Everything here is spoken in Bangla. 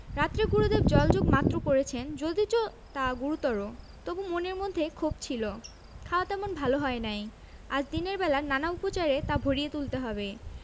রাত্রে গুরুদেব জলযোগ মাত্র করেছেন যদিচ তা গুরুতর তবু মনের মধ্যে ক্ষোভ ছিল খাওয়া তেমন ভাল হয় নাই আজ দিনের বেলা নানা উপচারে তা ভরিয়ে তুলতে হবে